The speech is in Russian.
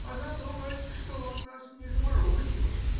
— А за то, бачка, что он нас не заморозил